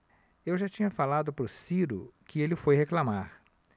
eu já tinha falado pro ciro que ele foi reclamar